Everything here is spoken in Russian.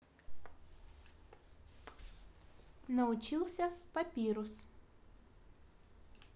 научился папирус